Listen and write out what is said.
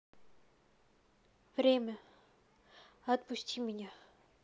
время отпусти меня